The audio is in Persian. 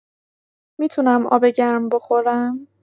می‌تونم آب گرم بخورم؟